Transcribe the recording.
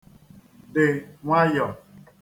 dị nwayọ̀